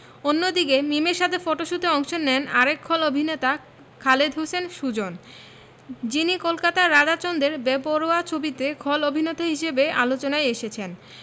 অন্যদিকে মিমের সাথে ফটশুটে অংশ নেন আরেক খল অভিনেতা খালেদ হোসেন সুজন যিনি কলকাতার রাজা চন্দের বেপরোয়া ছবিতে খল অভিনেতা হিসেবে আলোচনায় এসেছেন